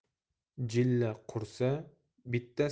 jilla qursa bittasiga